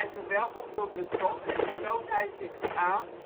verwelkomd door Breton en sloot hij zich aan